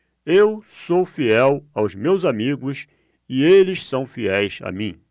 eu sou fiel aos meus amigos e eles são fiéis a mim